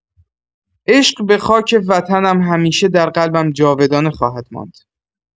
عشق به خاک وطنم همیشه در قلبم جاودانه خواهد ماند.